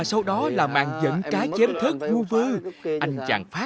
sau đó là màn giận cá chém thớt vu vơ anh chàng pháp